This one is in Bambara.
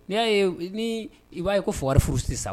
N'i y'a ye ni i b'a ye ko fugari furu tɛ sa